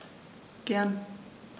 Gern.